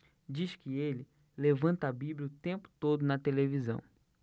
diz que ele levanta a bíblia o tempo todo na televisão